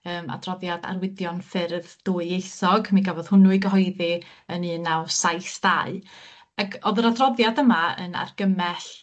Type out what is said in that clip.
yym adroddiad arwyddion ffyrdd dwyieithog, mi gafodd hwnnw 'i gyhoeddi yn un naw saith dau ac o'dd yr adroddiad yma yn argymell